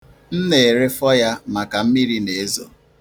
M na-erefọ ya maka mmiri na-ezo.